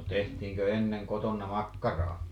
no tehtiinkö ennen kotona makkaraa